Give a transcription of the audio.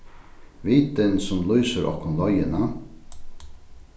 vitin sum lýsir okkum leiðina